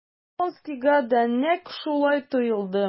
Вронскийга да нәкъ шулай тоелды.